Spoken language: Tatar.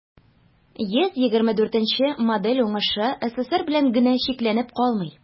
124 нче модель уңышы ссср белән генә чикләнеп калмый.